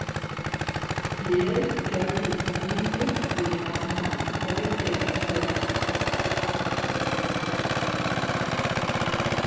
per gjørdi tað liðugt við hana tveir dagar seinni